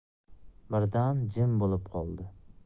birdan jim bo'lib qoldi